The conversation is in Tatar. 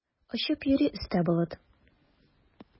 Очып йөри өстә болыт.